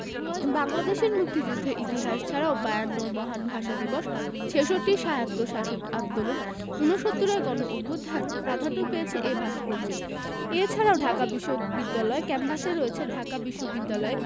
বাংলাদেশের মুক্তিযুদ্ধের ইতিহাস ছাড়াও বায়ান্নর মহান ভাষা দিবস ছেষট্টির স্বায়ত্তশাসন আন্দোলন উনসত্তুরের গণঅভ্যুত্থান প্রাধান্য পেয়েছে এ ভাস্কর্যে এ ছাড়াও ঢাকা বিশ্ববিদ্যালয় ক্যাম্পাসে রয়েছে ঢাকা বিশ্ববিদ্যালয়ে